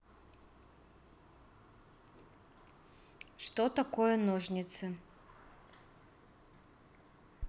что такое ножницы